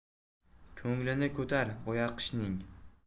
ko'nglini ko'tar boyaqishning